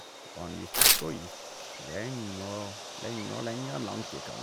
Og han gikk og gikk, lenge og lenge og lenger enn langt gikk han.